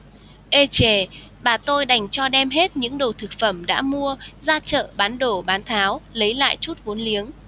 ê chề bà tôi đành cho đem hết những đồ thực phẩm đã mua ra chợ bán đổ bán tháo lấy lại chút vốn liếng